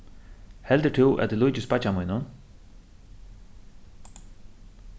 heldur tú at eg líkist beiggja mínum